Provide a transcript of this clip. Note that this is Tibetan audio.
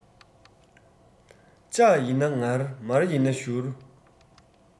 ལྕགས ཡིན ན ངར མར ཡིན ན བཞུར